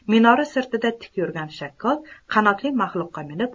minora sirtida tik yurgan shakkok qanotli maxluqqa minib